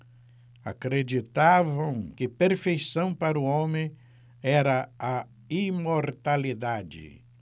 acreditavam que perfeição para o homem era a imortalidade